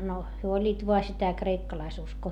no he olivat vain sitä kreikkalaisuskoa